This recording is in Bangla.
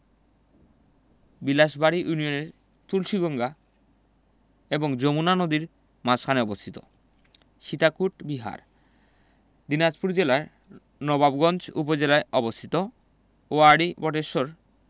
বিলাসবাড়ি ইউনিয়নে তুলসীগঙ্গা এবং যমুনা নদীর মাঝখানে অবস্থিত সীতাকোট বিহার দিনাজপুর জেলার নওয়াবগঞ্জ উপজেলায় অবস্থিত ওয়ারী বটেশ্বর